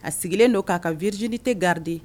A sigilen don k'a ka vizeni tɛ garidi